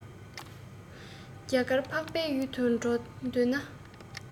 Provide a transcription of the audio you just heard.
རྒྱ གར འཕགས པའི ཡུལ དུ འགྲོ འདོད ན